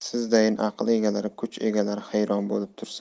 sizdayin aql egalari kuch egalari hayron bo'lib tursa